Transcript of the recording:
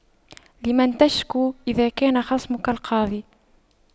لمن تشكو إذا كان خصمك القاضي